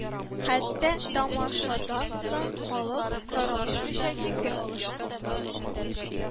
Хәтта тамашадан соң халык таралышмыйча, фикер алышты